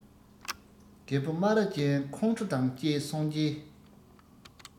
རྒད པོ སྨ ར ཅན ཁོང ཁྲོ དང བཅས སོང རྗེས